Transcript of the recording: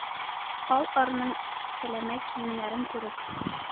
Ал арның сәләмә киемнәрен күреп,